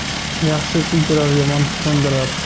yaxshi suydirar yomon so'ndirar